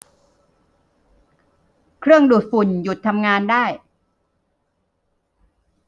เครื่องดูดฝุ่นหยุดทำงานได้